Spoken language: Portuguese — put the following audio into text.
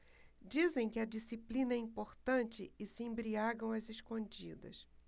dizem que a disciplina é importante e se embriagam às escondidas